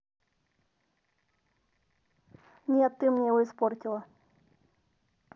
нет ты мне его испортила